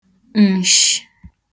ǹshị̄